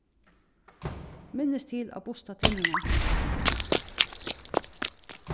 minnist til at busta tenninar